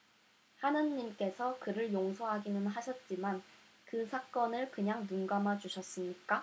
하느님께서 그를 용서하기는 하셨지만 그 사건을 그냥 눈감아 주셨습니까